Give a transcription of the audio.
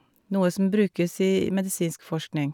Noe som brukes i medisinsk forskning.